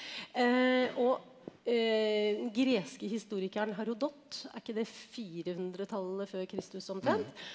og den greske historikeren Herodot er ikke det firehundretallet før Kristus omtrent.